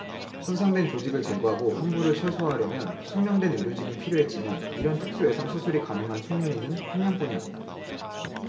손상된 조직을 제거하고 환부를 최소화하려면 숙련된 의료진이 필요했지만 이런 특수외상 수술이 가능한 숙련의는 한 명뿐이었다